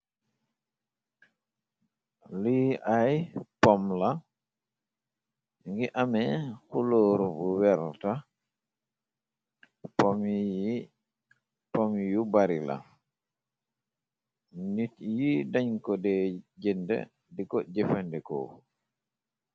Li ay pom la mugi ameeh xulooru bu werta pom yi pom yu bari la nit yi dañj ko deh jënda diko jëfandekoo